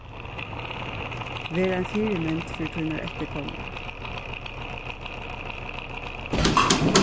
ver ein fyrimynd fyri tínar eftirkomarar